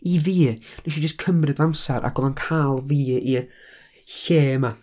I fi, wnes i jyst cymryd fy amser ac oedd o'n cael fi i'r lle 'ma.